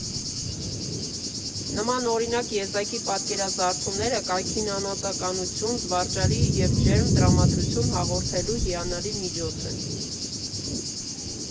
Նմանօրինակ եզակի պատկերազարդումները կայքին անհատականություն, զվարճալի և ջերմ տրամադրություն հաղորդելու հիանալի միջոց են։